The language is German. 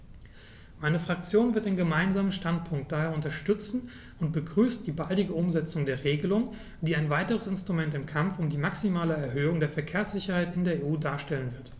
Meine Fraktion wird den Gemeinsamen Standpunkt daher unterstützen und begrüßt die baldige Umsetzung der Regelung, die ein weiteres Instrument im Kampf um die maximale Erhöhung der Verkehrssicherheit in der EU darstellen wird.